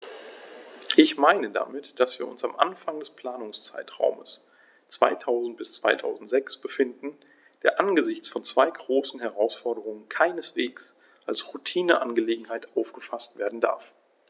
Ich meine damit, dass wir uns am Anfang des Planungszeitraums 2000-2006 befinden, der angesichts von zwei großen Herausforderungen keineswegs als Routineangelegenheit aufgefaßt werden darf.